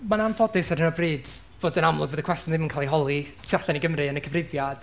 Mae'n anffodus ar hyn o bryd fod yn amlwg bod y cwestiwn ddim yn cael ei holi tu allan i Gymru yn y cyfrifiad.